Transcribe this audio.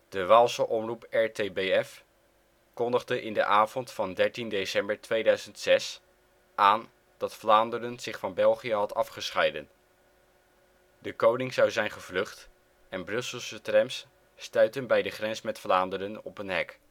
De Waalse omroep RTBF kondigde in de avond van 13 december 2006 aan dat Vlaanderen zich van België had afgescheiden. De koning zou zijn gevlucht en Brusselse trams stuitten bij de grens met Vlaanderen op een hek